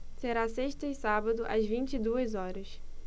será sexta e sábado às vinte e duas horas